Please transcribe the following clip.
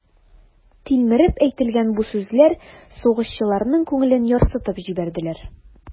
Тилмереп әйтелгән бу сүзләр сугышчыларның күңелен ярсытып җибәрделәр.